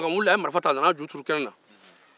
makan wulila a ye marifa ta ka n'a ju turu kɛnɛ na